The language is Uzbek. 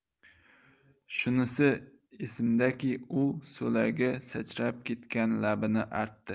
shunisi esimdaki u so'lagi sachrab ketgan labini artdi